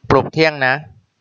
ปลุกเที่ยงนะ